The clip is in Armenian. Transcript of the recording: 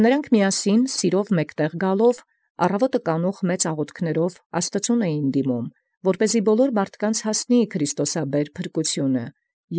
Եւ միանգամայն յաւժարութեամբ գումարեալ հանդերձ աղաւթիւք մեծաւք առ Աստուած կանխէին, վասն ամենայն ոգւոց քրիստոսաբեր փրկութեանն հասանելոյն։